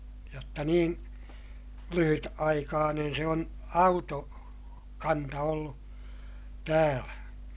jotta niin lyhytaikainen se on - autokanta ollut täällä